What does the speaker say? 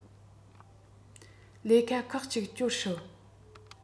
ལས ཀ ཁག གཅིག སྤྱོད སྲིད